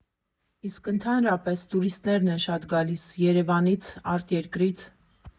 Իսկ ընդհանրապես տուրիստներն են շատ գալիս՝ Երևանից, արտերկրից։